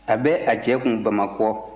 a bɛ a cɛ kun bamakɔ